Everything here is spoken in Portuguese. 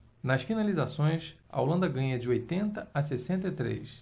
nas finalizações a holanda ganha de oitenta a sessenta e três